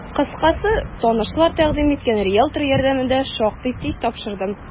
Кыскасы, танышлар тәкъдим иткән риелтор ярдәмендә шактый тиз тапшырдым.